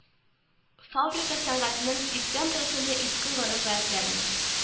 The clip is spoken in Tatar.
Фабрика сәнәгатенең сиксән проценты иске гореф-гадәтләрне